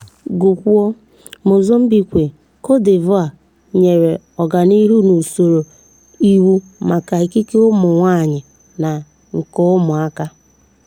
Gụkwuo: Mozambique, Cote d'Ivoire nwere ọganihu n'usoro iwu maka ikike ụmụ nwaanyị na nke ụmụaka